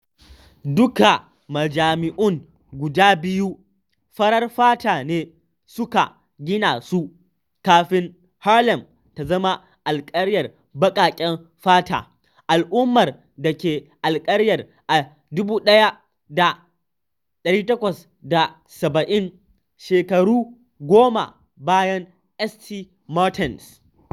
Duka majami’un guda biyu farar fata ne suka gina su kafin Harlem ta zama alƙaryar baƙaƙen fata - Al’ummar da ke Alƙaryar a 1870, shekaru goma bayan St. Martin’s.